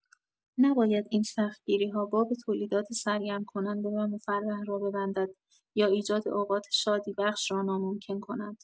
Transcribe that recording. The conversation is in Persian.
نباید این سختگیری‌ها باب تولیدات سرگرم‌کننده و مفرح را ببندد یا ایجاد اوقات شادی‌بخش را ناممکن کند